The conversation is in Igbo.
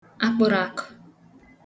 akpụrụakụ